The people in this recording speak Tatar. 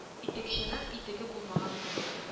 Итекченең итеге булмаган кебек